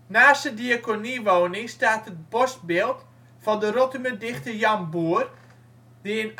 Naast de diaconiewoning staat het borstbeeld van de Rottumer dichter Jan Boer die in 1899